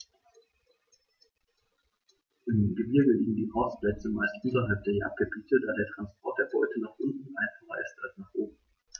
Im Gebirge liegen die Horstplätze meist unterhalb der Jagdgebiete, da der Transport der Beute nach unten einfacher ist als nach oben.